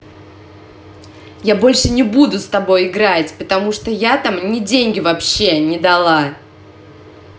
я больше не буду с тобой играть потому что я там не деньги вообще не дала